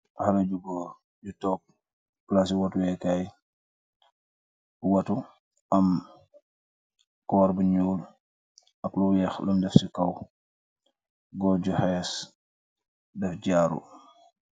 Xale bu goor ju toog plasi watuweekaay, watu am kawar bu ñuul ak lu weex lum def ci kaw, gor ju xees def jaaru